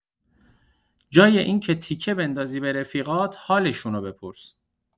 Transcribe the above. جای اینکه تیکه بندازی به رفیقات حالشونو بپرس!